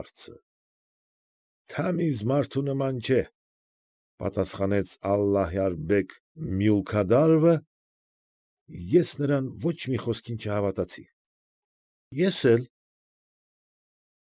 Հարցը։ ֊ Թամիզ մարդու նման չէ,֊ պատասխանեց Ալլահյար֊բեգ Մյուլքադարովը,֊ ես նրա ոչ մի խոսքին չհավատացի։ ֊ Ես էլ։